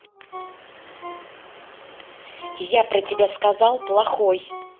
я про тебя сказал плохой